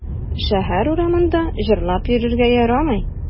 Шәһәр урамында җырлап йөрергә ярамый.